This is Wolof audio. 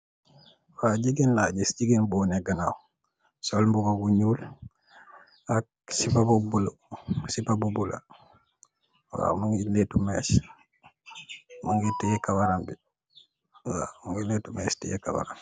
Gigeen la gis, gigeen bu waneh ganaw, sol mbubu bu ñuul ak sipa bu bula , mugeh lèttu més teyeh kawaram ngi.